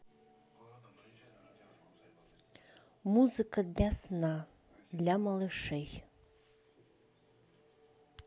музыка для сна для малышей